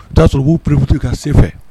O y'a sɔrɔ k'u perepte ka sen fɛ